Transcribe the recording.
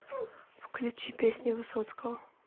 включи песни высоцкого